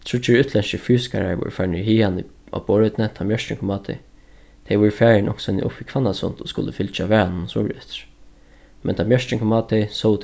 tríggir útlendskir fysikarar vóru farnir í hagan í á borðoynni tá mjørkin kom á tey tey vóru farin onkustaðni upp við hvannasund og skuldu fylgja varðanum suðureftir men tá mjørkin kom á tey sóu